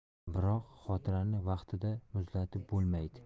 biroq xotirani vaqtida muzlatib bo'lmaydi